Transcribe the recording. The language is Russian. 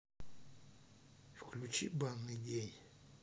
включи банный день